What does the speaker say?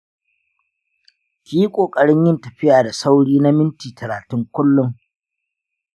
ki yi ƙoƙarin yin tafiya da sauri na minti talatin kullum.